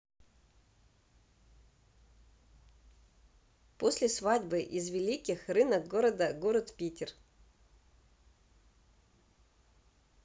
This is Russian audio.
после свадьбы из великих рынок города город питер